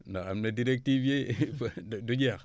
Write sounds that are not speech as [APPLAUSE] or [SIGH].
ndax am na directives yi [LAUGHS] du jeex